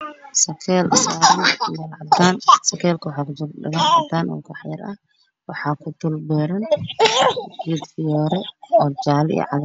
Waa sakeel saaran meel cadaan ah waxaa kujiro dhagax yar oo cadaan ah waxaa kubeeran fiyoore oo jaale iyo cagaar ah.